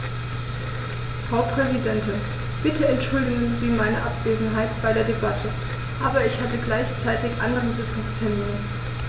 Frau Präsidentin, bitte entschuldigen Sie meine Abwesenheit bei der Debatte, aber ich hatte gleichzeitig andere Sitzungstermine.